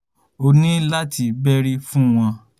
O ní láti bẹ́rí fún wọn,